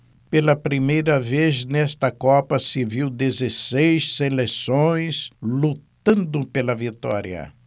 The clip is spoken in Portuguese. pela primeira vez nesta copa se viu dezesseis seleções lutando pela vitória